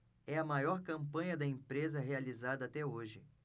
é a maior campanha da empresa realizada até hoje